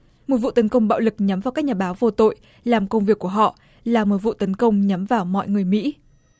một vụ tấn công bạo lực nhắm vào các nhà báo vô tội làm công việc của họ là một vụ tấn công nhắm vào mọi người mỹ